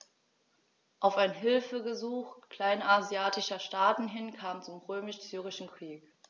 Auf ein Hilfegesuch kleinasiatischer Staaten hin kam es zum Römisch-Syrischen Krieg.